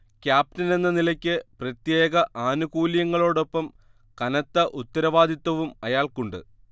ക്യാപ്റ്റനെന്ന നിലയ്ക്ക് പ്രത്യേക ആനുകൂല്യങ്ങളോടൊപ്പം കനത്ത ഉത്തരവാദിത്തവും അയാൾക്കുണ്ട്